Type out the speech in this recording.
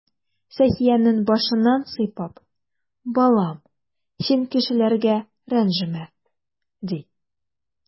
Сәхиянең башыннан сыйпап: "Балам, син кешеләргә рәнҗемә",— ди.